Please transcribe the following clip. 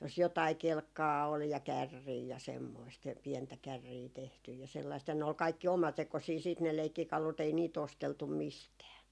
jos jotakin kelkkaa oli ja kärriä ja semmoista ja pientä kärriä tehty ja sellaista ja ne oli kaikki omatekoisia sitten ne leikkikalut ei niitä osteltu mistään